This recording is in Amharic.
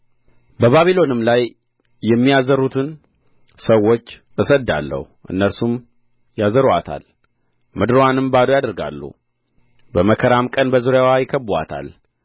በባቢሎንም ላይ የሚያዘሩትን ሰዎች እሰድዳለሁ እነርሱም ያዘሩአታል ምድርዋንም ባዶ ያደርጋሉ በመከራም ቀን በዙሪያዋ ይከብቡአታል